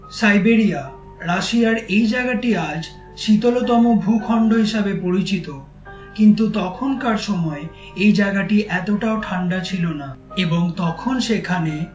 Siberia রাশিয়ার এই জায়গাটি আজ শীতলতম ভূখণ্ড হিসেবে পরিচিত কিন্তু তখনকার সময়ে এই জায়গাটি এতটাও ঠাণ্ডা ছিল না এবং তখন সেখানে